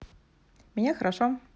меня хорошо